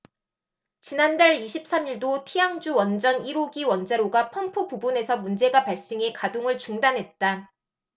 지난달 이십 삼 일도 티앙주 원전 일 호기 원자로가 펌프 부분에서 문제가 발생해 가동을 중단했다